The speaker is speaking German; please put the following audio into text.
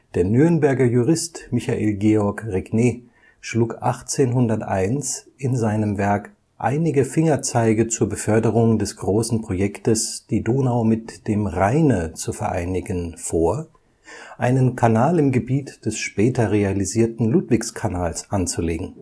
Der Nürnberger Jurist Michael Georg Regnet schlug 1801 in seinem Werk Einige Fingerzeige zur Beförderung des großen Projektes die Donau mit dem Rheine zu vereinigen vor, einen Kanal im Gebiet des später realisierten Ludwigskanals anzulegen